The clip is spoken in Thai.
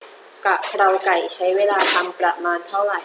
กะเพราไก่ใช้เวลาทำประมาณเท่าไหร่